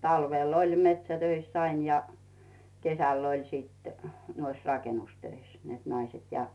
talvella oli metsätöissä aina ja kesällä oli sitten noissa rakennustöissä että naiset ja